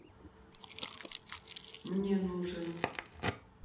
мне нужен